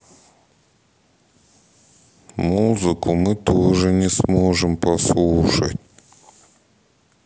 музыку мы тоже не сможем послушать